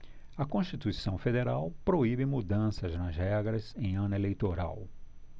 a constituição federal proíbe mudanças nas regras em ano eleitoral